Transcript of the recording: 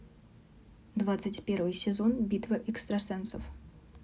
двадцать первый сезон битва экстрасенсов